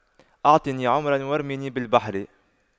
اعطني عمرا وارميني بالبحر